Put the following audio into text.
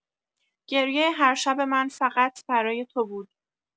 گریه هر شب من فقط برای تو بود.